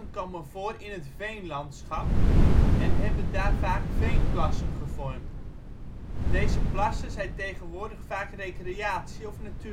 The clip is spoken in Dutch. komen voor in het veenlandschap, en hebben daar vaak veenplassen gevormd. Deze plassen zijn tegenwoordig vaak recreatie - of natuurgebied